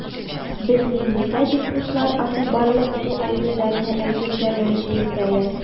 Белмим, нигә дип руслар аны барлык бу әйберләрне әйтергә мәҗбүр итәләр.